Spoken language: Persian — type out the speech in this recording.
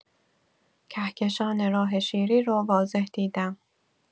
کهکشان راه‌شیری رو واضح دیدم.